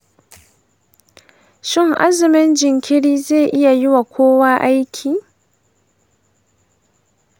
shin azumin jinkiri zai iya yi wa kowa aiki?